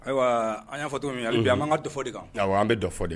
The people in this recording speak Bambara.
Ayiwa an y'a fɔ cogo min bi an man ka dɔ fɔ de ka kan an bɛ dɔ fɔ de